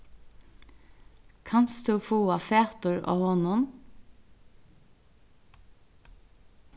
kanst tú fáa fatur á honum